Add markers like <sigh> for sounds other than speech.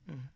<hesitation> <hesitation>